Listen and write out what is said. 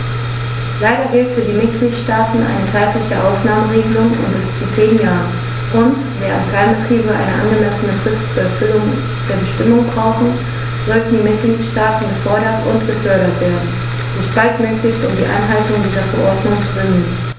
Leider gilt für die Mitgliedstaaten eine zeitliche Ausnahmeregelung von bis zu zehn Jahren, und, während Kleinbetriebe eine angemessene Frist zur Erfüllung der Bestimmungen brauchen, sollten die Mitgliedstaaten gefordert und gefördert werden, sich baldmöglichst um die Einhaltung dieser Verordnung zu bemühen.